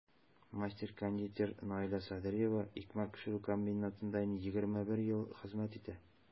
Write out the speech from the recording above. Мастер-кондитер Наилә Садриева икмәк пешерү комбинатында инде 21 ел хезмәт итә.